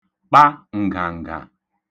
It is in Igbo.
kpa nġànġà